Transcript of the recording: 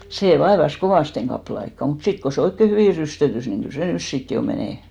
se vaivasi kovasti kappaleen aikaa mutta sitten kun se oikein hyvin rysttöttyi niin kyllä se nyt sitten jo menee